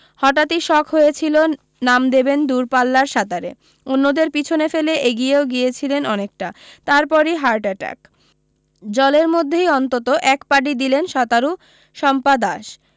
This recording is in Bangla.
হঠাতি শখ হয়েছিলো নাম দেবেন দূরপাল্লার সাঁতারে অন্যদের পিছনে ফেলে এগিয়েও গিয়েছিলেন অনেকটা তারপরই হার্ট অ্যাটাক জলের মধ্যেই অনন্ত এক পাডি দিলেন সাঁতারু শম্পা দাস